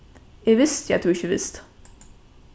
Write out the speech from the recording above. eg visti at tú ikki visti